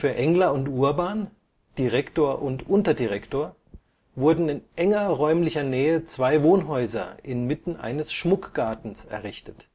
Engler und Urban, Direktor und Unterdirektor, wurden in enger räumlicher Nähe zwei Wohnhäuser inmitten eines Schmuckgartens errichtet